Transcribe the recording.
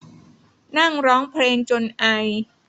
นั่งร้องเพลงจนไอ